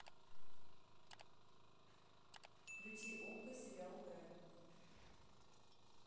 включи окко сериал грань